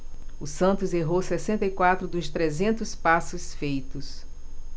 o santos errou sessenta e quatro dos trezentos passes feitos